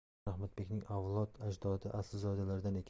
sulton ahmadbekning avlod ajdodi asilzodalardan ekan